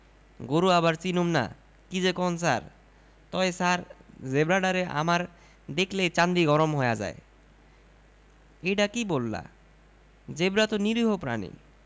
গরু আবার চিনুম না কি যে কন ছার তয় ছার জেব্রাডারে আমার দেখলেই চান্দি গরম হয়া যায় এইডা কি বললা জেব্রা তো নিরীহ প্রাণী